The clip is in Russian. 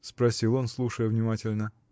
— спросил он, слушая внимательно.